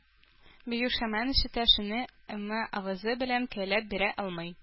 Биюш һаман ишетә шуны, әмма авызы белән көйләп бирә алмый.